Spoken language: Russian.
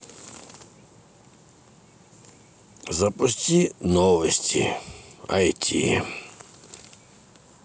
запусти новости ай ти